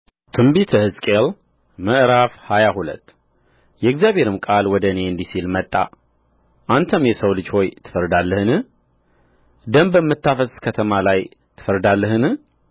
ትንቢተ ሕዝቅኤል ምዕራፍ ሃያ ሁለት የእግዚአብሔርም ቃል ወደ እኔ እንዲህ ሲል መጣ አንተም የሰው ልጅ ሆይ ትፈርዳለህን ደም በምታፈስስ ከተማ ላይ ትፈርዳለህን